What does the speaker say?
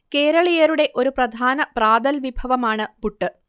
കേരളീയരുടെ ഒരു പ്രധാന പ്രാതൽ വിഭവമാണ് പുട്ട്